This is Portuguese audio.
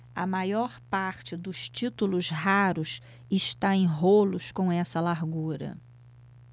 a maior parte dos títulos raros está em rolos com essa largura